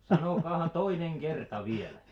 sanokaahan toinen kerta vielä